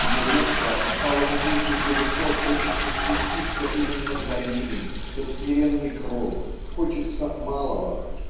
и нередко усталому путнику высот хочется спуститься именно в долины под смиренный кров хочется малого.